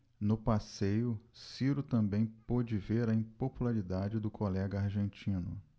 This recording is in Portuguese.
no passeio ciro também pôde ver a impopularidade do colega argentino